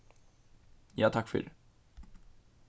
ja takk fyri